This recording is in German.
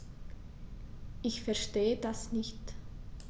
Ich verstehe das nicht.